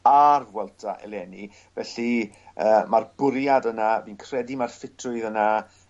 a'r Vuelta eleni felly yy ma'r bwriad yna fi'n credu ma'r ffitrwydd yna